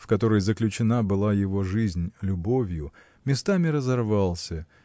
в который заключена была его жизнь любовью местами разорвался